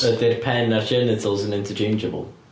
Ydy'r pen a'r genitals yn interchangeable.